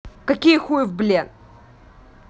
какие хуев блин